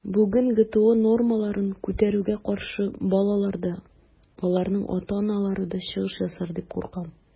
Бүген ГТО нормаларын кертүгә каршы балалар да, аларның ата-аналары да чыгыш ясар дип куркам.